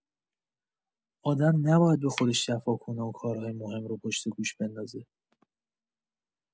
آدم نباید به خودش جفا کنه و کارای مهم رو پشت گوش بندازه.